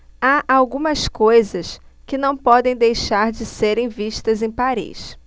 há algumas coisas que não podem deixar de serem vistas em paris